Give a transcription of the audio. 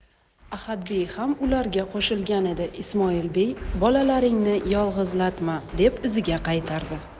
ahadbey ham ularga qo'shilgan edi ismoilbey bolalaringni yolg'izlatma deb iziga qaytardi